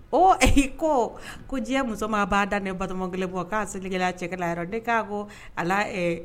Ɔɔ koo ko diɲɛ muso maa baa dan ne Batoma 1 mɔ k'a seli kɛla a cɛ kɛ la yɔrɔ ne kaa ko a laa ɛɛ